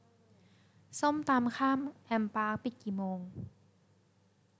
ส้มตำข้างแอมปาร์คปิดกี่โมง